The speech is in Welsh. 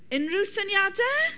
Unrhyw syniadau?